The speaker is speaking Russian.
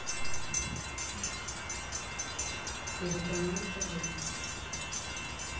телеканал тв